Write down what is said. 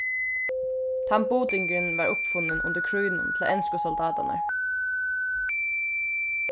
tann budingurin varð uppfunnin undir krígnum til ensku soldátarnar